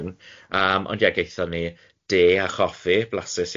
yym ond ie gaethon ni de a choffi, blasus iawn